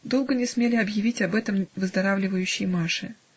Долго не смели объявить об этом выздоравливающей Маше.